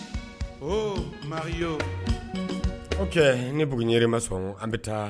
Ɔ nba o kɛ ne buguɲɛre ma sɔn an bɛ taa